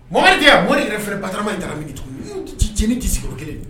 Mamaridenya a mɔn in yɛrɛ fana bama in jara tugun tiini tɛ sigi kelen